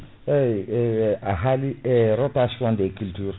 eyyi eyyi a haali e rotation des cultures